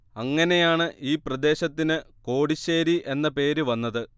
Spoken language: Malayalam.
അങ്ങനെയാണ് ഈ പ്രദേശത്തിന് കോടിശ്ശേരി എന്ന പേര് വന്നത്